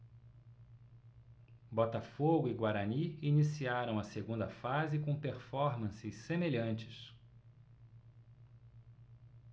botafogo e guarani iniciaram a segunda fase com performances semelhantes